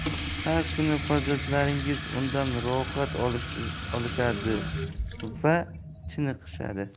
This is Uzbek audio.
har kuni farzandlaringiz undan rohat olishadi va chiniqishadi